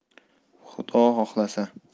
xudo xohlasa